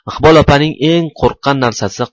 iqbol opaning eng qo'rqqan narsasi